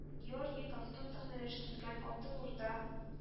Георгий Ковтун сәхнәләштергән Алтын Урда